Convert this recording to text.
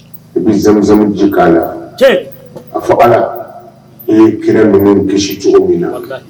I bɛ zanmusamuji k'a la a fɔ la i ye kira min kisi cogo min na